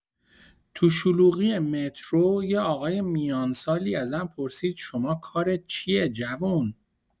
تو شلوغی مترو یه آقای میانسالی ازم پرسید شما کارت چیه جوون؟